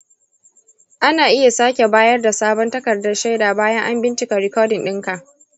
ana iya sake bayar da sabon takardar shaidar bayan an bincika rikodin ɗin ka.